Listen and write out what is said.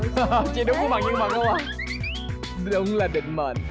che đúng khuôn mặt nhưng mà ngu à đúng là định mệnh